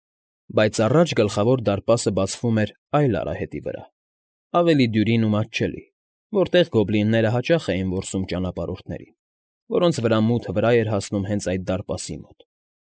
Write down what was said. Բայց առաջ գլխավոր դարպասը բացվում էր այլ արահետի վրա, ավելի դյուրին ու մատչելի, որտեղ գոբլինները հաճախ էին որսում ճանապարհորդներին, որոնց վրա մութը վրա էր հասնում հենց այդ դարպասի մոտ։